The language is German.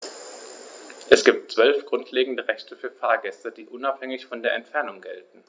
Es gibt 12 grundlegende Rechte für Fahrgäste, die unabhängig von der Entfernung gelten.